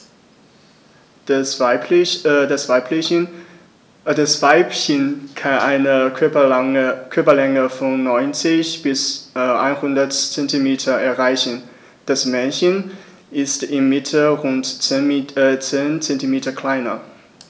Das Weibchen kann eine Körperlänge von 90-100 cm erreichen; das Männchen ist im Mittel rund 10 cm kleiner.